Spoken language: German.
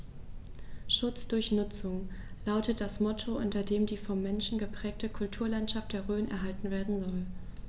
„Schutz durch Nutzung“ lautet das Motto, unter dem die vom Menschen geprägte Kulturlandschaft der Rhön erhalten werden soll.